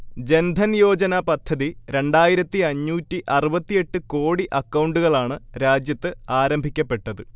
ജൻധൻയോജന പദ്ധതി രണ്ടായിരത്തി അഞ്ഞൂറ്റി അറുപത്തിയെട്ട് കോടി അക്കൗണ്ടുകളാണ് രാജ്യത്ത് ആരംഭിക്കപ്പെട്ടത്